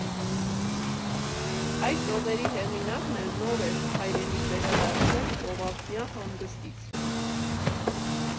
Այս տողերի հեղինակն էլ նոր էր հայրենիք վերադարձել ծովափնյա հանգստից։